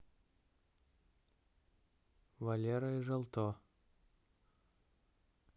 валера и желто